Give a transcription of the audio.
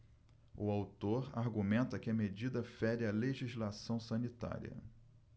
o autor argumenta que a medida fere a legislação sanitária